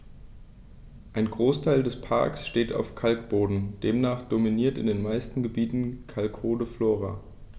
Ein Großteil des Parks steht auf Kalkboden, demnach dominiert in den meisten Gebieten kalkholde Flora.